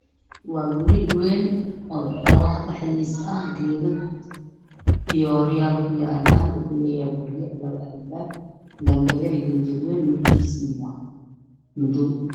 Waa guri wayn oo dabaq dhexdiisa ah geedo iyo hooriyal kuyaalan wuxu leyahay ganjeel yar iyo midwayn midabkisa waa madow